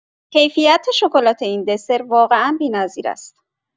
کیفیت شکلات این دسر واقعا بی‌نظیر است.